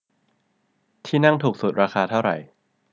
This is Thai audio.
ที่นั่งถูกสุดราคาเท่าไหร่